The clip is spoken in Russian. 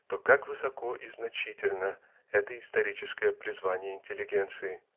то как высоко и значительно это историческое призвание интеллигенции